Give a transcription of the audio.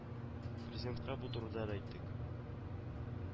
Президентка бу турыда да әйттек